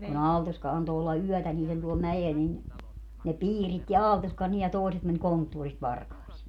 kun Aaltoska antoi olla yötä niiden tuolla mäellä niin ne piiritti Aaltoskan niin ja toiset meni konttorista varkaisiin